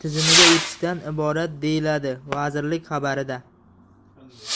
tizimiga o'tishdan iborat deyiladi vazirlik xabarida